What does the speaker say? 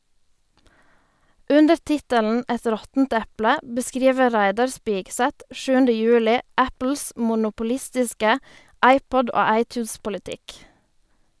Under tittelen "Et råttent eple" beskriver Reidar Spigseth 7. juli Apples monopolistiske iPod- og iTunes-politikk.